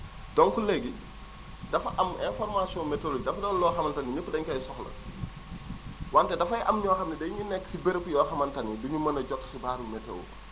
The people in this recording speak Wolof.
donc léegi dafa am information météo dafa doon loo xamante ni ñëpp dañu koy soxla wante dafay am ñoo xam ne dañuy nekk si béréb yoo xamante ni du ñu mën a jot xibaaru météo